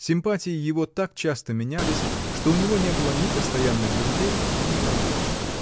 Симпатии его так часто менялись, что у него не было ни постоянных друзей, ни врагов.